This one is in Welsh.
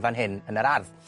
fan hyn yn yr ardd.